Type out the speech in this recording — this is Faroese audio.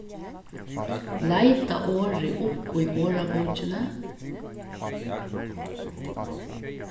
leita orðið upp í orðabókini